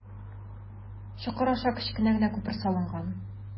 Чокыр аша кечкенә генә күпер салынган.